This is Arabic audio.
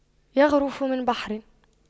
يَغْرِفُ من بحر